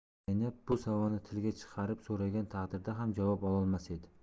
zaynab bu savolni tilga chiqarib so'ragan taqdirida ham javob ololmas edi